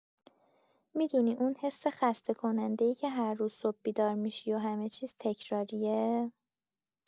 می‌دونی اون حس خسته‌کننده‌ای که هر روز صبح بیدار می‌شی و همه‌چیز تکراریه؟